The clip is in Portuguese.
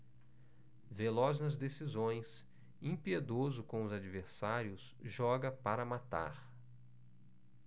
veloz nas decisões impiedoso com os adversários joga para matar